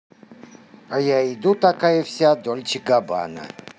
а я иду такая вся дольче габбана